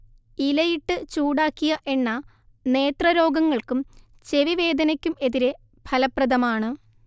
ഇലയിട്ട് ചൂടാക്കിയ എണ്ണ നേത്രരോഗങ്ങൾക്കും ചെവിവേദനയ്ക്കും എതിരെ ഫലപ്രദമാണ്